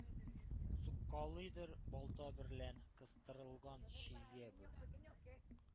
Суккалыйдыр балта берлән кыстырылган чөйгә бу,